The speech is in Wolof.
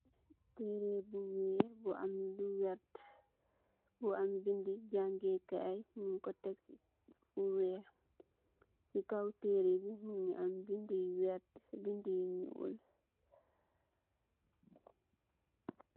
Tehreh bu wekh bu am lu vert, bu am bindue jaangeh kaii, njung kor tek fu wekh, cii kaw tehreh bii mungy am bindue yu vert, bindue yu njull.